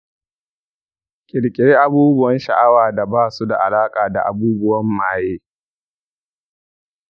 ƙirƙiri abubuwan sha’awa da ba su da alaƙa da abubuwan maye.